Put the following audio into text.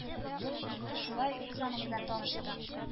Шулай без аның белән таныштык